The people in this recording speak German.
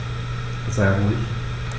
Sei ruhig.